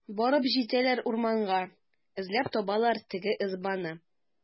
Барып җитәләр урманга, эзләп табалар теге ызбаны.